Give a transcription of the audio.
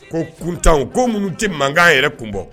Ko kuntan ko minnu tɛ mankan yɛrɛ kun bɔ.